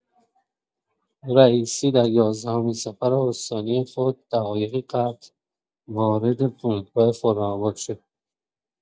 رئیسی در یازدهمین سفر استانی خود دقایقی قبل وارد فرودگاه خرم‌آباد شد.